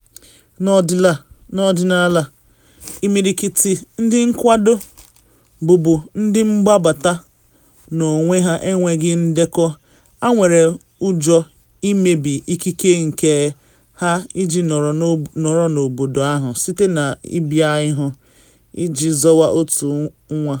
N’ọdịnala, imirikiti ndị nkwado bubu ndị mgbabata n’onwe ha enweghị ndekọ, ha nwere ụjọ imebi ikike nke ha iji nọrọ n’obodo ahụ site na ịbịa ihu iji zọrọ otu nwa.